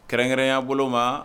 Kɛrɛnkɛrɛn y'a bolo ma